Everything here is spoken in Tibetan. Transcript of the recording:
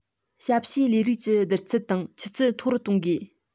ཞབས ཞུའི ལས རིགས ཀྱི བསྡུར ཚད དང ཆུ ཚད མཐོ རུ གཏོང དགོས